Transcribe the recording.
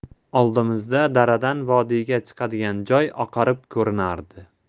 oldimizda daradan vodiyga chiqadigan joy oqarib ko'rinardi